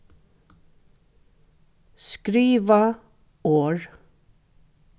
skriva orð